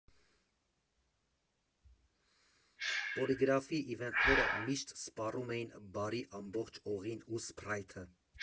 Պոլիգրաֆի իվենթները միշտ սպառում էին բարի ամբողջ օղին ու սփրայթը։